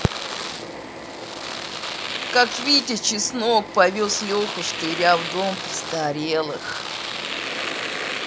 как витя чеснок повез леху штыря в дом престарелых